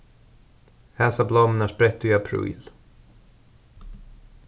hasar blómurnar spretta í apríl